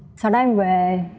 sau đó em về